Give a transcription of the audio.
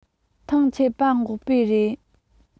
ཐང ཆད པ འགོག པའི རེད